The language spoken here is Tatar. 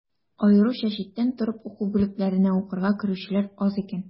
Аеруча читтән торып уку бүлекләренә укырга керүчеләр аз икән.